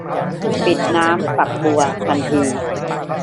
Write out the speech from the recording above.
ปิดน้ำฝักบัวทันที